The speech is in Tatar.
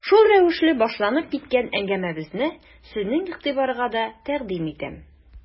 Шул рәвешле башланып киткән әңгәмәбезне сезнең игътибарга да тәкъдим итәм.